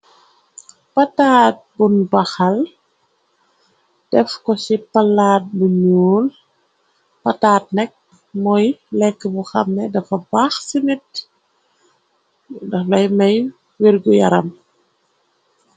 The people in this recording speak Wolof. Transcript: Pataat bun baxal def ko ci palaat bu nuul pataat nakk mooy leka bu xame dafa baax ci nit daflay maay wergu yaram.